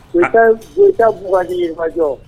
Futa ka mugan i majɔ